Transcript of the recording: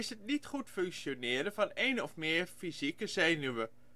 het niet goed functioneren van een of meer fysieke zenuwen